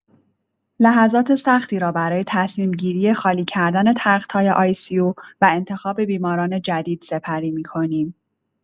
لحظات سختی را برای تصمیم‌گیری خالی کردن تخت‌های آی‌سی‌یو و انتخاب بیماران جدید سپری می‌کنیم